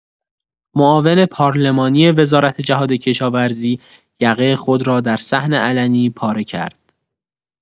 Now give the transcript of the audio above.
معاون پارلمانی وزارت جهادکشاورزی یقه خود را در صحن علنی پاره کرد.